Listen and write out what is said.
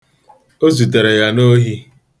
O zutere ya n'ohi.